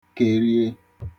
kèrìe